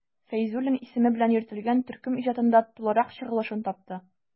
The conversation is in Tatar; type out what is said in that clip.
Фәйзуллин исеме белән йөртелгән төркем иҗатында тулырак чагылышын тапты.